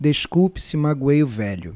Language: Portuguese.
desculpe se magoei o velho